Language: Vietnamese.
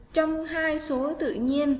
trong số tự nhiên